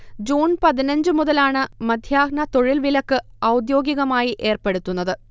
June പതിനഞ്ച് മുതലാണ് മധ്യാഹ്ന തൊഴിൽ വിലക്ക് ഔദ്യോഗികമായി ഏർപ്പെടുത്തുന്നത്